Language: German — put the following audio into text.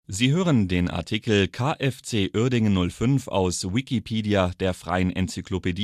Sie hören den Artikel KFC Uerdingen 05, aus Wikipedia, der freien Enzyklopädie